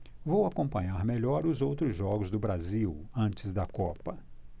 vou acompanhar melhor os outros jogos do brasil antes da copa